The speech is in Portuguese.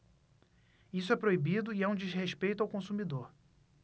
isso é proibido e é um desrespeito ao consumidor